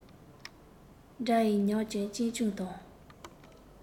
སྒྲ ཡིན ཉམས ཀྱིས གཅེན གཅུང དང